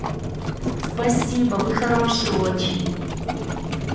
спасибо вы хороший очень